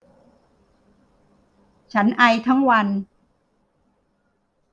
ฉันไอทั้งวัน